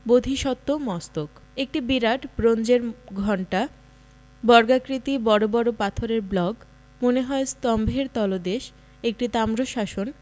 বোধিসত্ত্ব মস্তক একটি বিরাট ব্রোঞ্জের ঘণ্টা বর্গাকৃতি বড় বড় পাথরের ব্লক মনে হয় স্তম্ভের তলদেশ একটি তাম্রশাসন